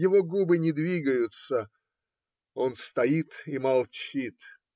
его губы не двигаются. Он стоит и молчит.